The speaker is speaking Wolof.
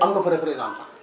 am nga fa représentant